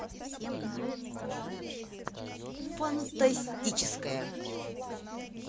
фантастическая